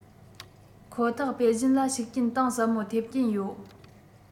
ཁོ ཐག པེ ཅིང ལ ཤུགས རྐྱེན གཏིང ཟབ མོ ཐེབས ཀྱིན ཡོད